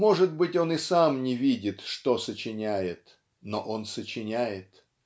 Может быть, он и сам не видит, что сочиняет, - но он сочиняет.